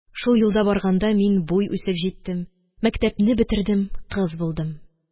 Шул юлда барганда мин буй үсеп җиттем. Мәктәпне бетердем, кыз булдым.